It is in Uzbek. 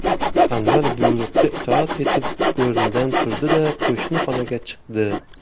anvar buyruqqa itoat etib o'rnidan turdi da qo'shni xonaga chiqdi